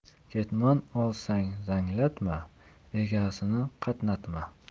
ketmon olsang zanglatma egasini qatnatma